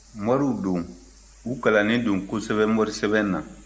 moriw don u kalannen don kosɛbɛ morisɛbɛn na